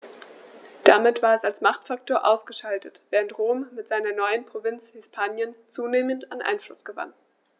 Damit war es als Machtfaktor ausgeschaltet, während Rom mit seiner neuen Provinz Hispanien zunehmend an Einfluss gewann.